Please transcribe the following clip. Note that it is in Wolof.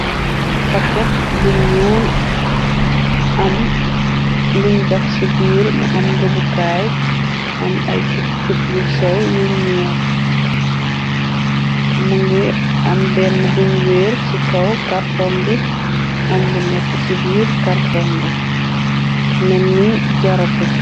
Paket bu ñuul am luñ daf ci biir mu am nga bukaay am ay chup chup yu sew yuñ murr. Mëngi am benn buñ wéer ci kaw karton bi am bu nekk ci biir karton bi menni jaratu.